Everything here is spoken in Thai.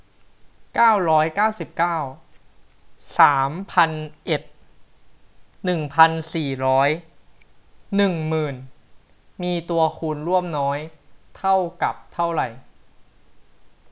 เก้าร้อยเก้าสิบเก้าสามพันเอ็ดหนึ่งพันสี่ร้อยหนึ่งหมื่นมีตัวคูณร่วมน้อยเป็นเท่าไหร่